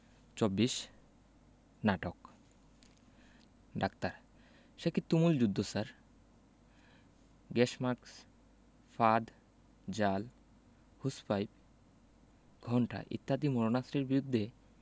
২৪ নাটক ডাক্তার সেকি তুমুল যুদ্ধ স্যার গ্যাস মাস্ক ফাঁদ জাল হোস পাইপ ঘণ্টা ইত্যাদি মারণাস্ত্রের বিরুদ্ধে